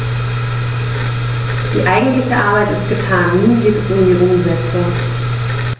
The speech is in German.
Die eigentliche Arbeit ist getan, nun geht es um die Umsetzung.